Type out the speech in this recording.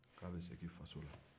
k'a bɛ segin faso la